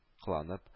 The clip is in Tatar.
Кыланып